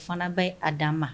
Fana bɛ a d ma